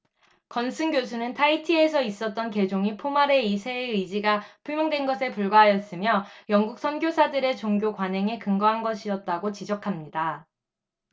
건슨 교수는 타히티에서 있었던 개종이 포마레 이 세의 의지가 표명된 것에 불과하였으며 영국 선교사들의 종교 관행에 근거한 것이었다고 지적합니다